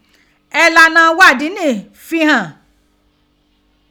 Ìlànà ìghádìí ni fi hàn.